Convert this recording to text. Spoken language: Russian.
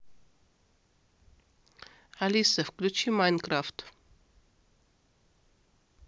алиса включи майнкрафт